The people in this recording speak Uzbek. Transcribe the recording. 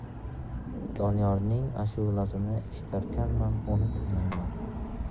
doniyorning ashulasini eshitarkanman uni tinglayman